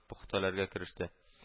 -пөхтәләргә кереште